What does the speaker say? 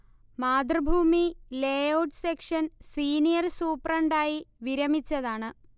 Mathrubhumi layout section senior സൂപ്രണ്ടായി വിരമിച്ചതാണ്